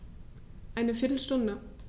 Eine viertel Stunde